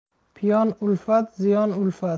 piyon ulfat ziyon ulfat